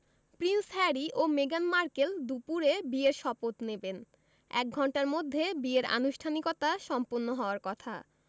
Prince Harry ও মেগান Markle দুপুরে বিয়ের শপথ নেবেন এক ঘণ্টার মধ্যে বিয়ের আনুষ্ঠানিকতা সম্পন্ন হওয়ার কথা